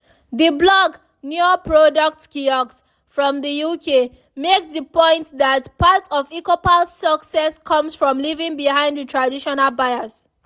The blog NeoProducts Kiosks, from the UK, makes the point that part of eChoupal’s success comes from leaving behind the traditional buyers.